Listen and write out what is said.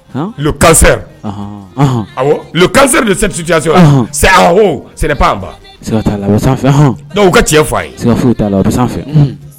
Kakasɛ ka tiɲɛ fɔ a